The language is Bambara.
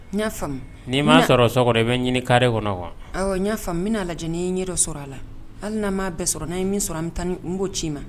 N y'a faamuyamu ni m'a sɔrɔ bɛ ɲini karire kɔnɔ wa ayiwa n'a faamuya n bɛna lajɛ lajɛlen'i ɲɛ dɔ sɔrɔ a la hali n' bɛɛ sɔrɔ n'a ye min sɔrɔ an bɛ taa n b'o ci' ma